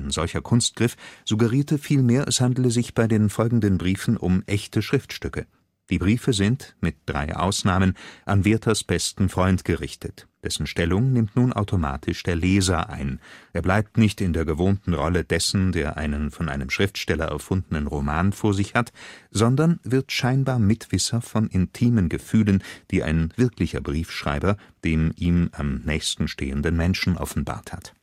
solcher Kunstgriff suggerierte vielmehr, es handele sich bei den folgenden Briefen um echte Schriftstücke. Die Briefe sind (mit 3 Ausnahmen) an Werthers besten Freund gerichtet. Dessen Stellung nimmt nun automatisch der Leser ein: Er bleibt nicht in der gewohnten Rolle dessen, der einen von einem Schriftsteller erfundenen Roman vor sich hat, sondern wird scheinbar Mitwisser von intimen Gefühlen, die ein wirklicher Briefschreiber dem ihm am nächsten stehenden Menschen offenbart hat